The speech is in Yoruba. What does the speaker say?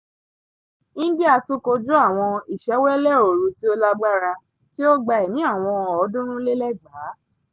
India tún kojú àwọn ìṣẹ́wẹ́lẹ́ ooru tí ó lágbára tí ó gba ẹ̀mí àwọn 2,300.